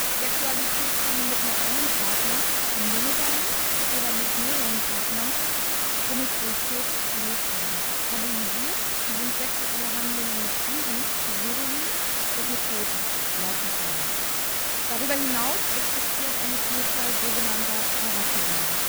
Sexualität kann mit nur einem Partner (Monogamie) oder mit mehreren Partnern (Promiskuität) gelebt werden. Tabuisiert sind sexuelle Handlungen mit Tieren (Sodomie) und mit Toten (Leichenschändung). Darüber hinaus existiert eine Vielzahl sogenannter Paraphilien